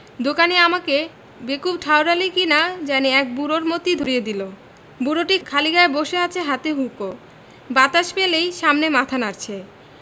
দোকানী আমাকে বেকুব ঠাওড়ালী কিনা জানি এক বুড়োর মতী ধরিয়ে দিল বুড়োটি খালি গায়ে বসে আছে হাতে হুঁকো বাতাস পেলেই সমানে মাথা নাড়ছে